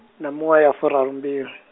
na miṅwaha ya furarumbili.